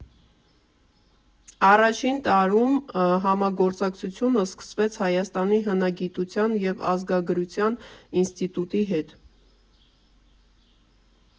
Առաջին տարում համագործակցությունը սկսվեց Հայաստանի հնագիտության և ազգագրության ինստիտուտի հետ։